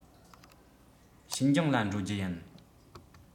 ཤིན ཅང ལ འགྲོ རྒྱུ ཡིན